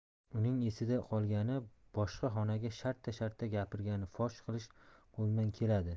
uning esida qolgani boshqonga shartta shartta gapirgani fosh qilish qo'limdan keladi